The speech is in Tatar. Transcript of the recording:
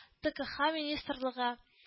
ТэКэХа министрлыгы